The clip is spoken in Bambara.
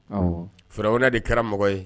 Fara de kɛra mɔgɔ ye